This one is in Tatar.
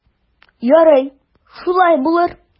Ярый, шулай булыр.